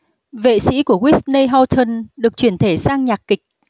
vệ sỹ của whitney houston được chuyển thể sang nhạc kịch